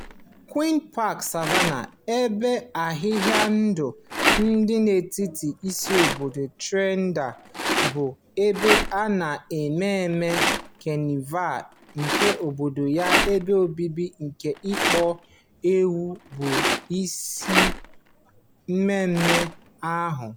Queen's Park Savannah, ebe ahịhịa ndụ dị n'etiti isi obodo Trinidad, bụ ebe a na-eme mmemme Kanịva nke obodo yana ebe obibi nke ikpo okwu bụ isi mmemme ahụ.